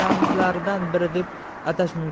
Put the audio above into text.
ramzlaridan biri deb atash mumkin